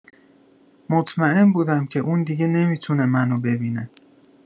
مطمئن بودم که اون دیگه نمی‌تونه منو ببینه.